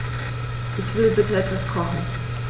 Ich will bitte etwas kochen.